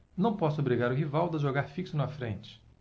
não posso obrigar o rivaldo a jogar fixo na frente